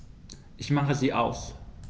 Ich mache sie aus.